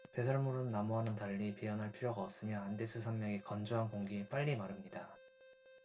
배설물은 나무와는 달리 베어 낼 필요가 없으며 안데스 산맥의 건조한 공기에 빨리 마릅니다